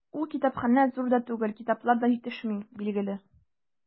Ул китапханә зур да түгел, китаплар да җитешми, билгеле.